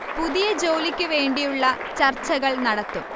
പുതിയ ജോലിക്ക് വേണ്ടി ഉള്ള ചർച്കൾ നടത്തും